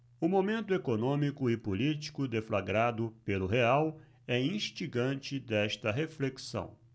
o momento econômico e político deflagrado pelo real é instigante desta reflexão